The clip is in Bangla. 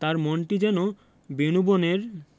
তার মনটি যেন বেনূবনের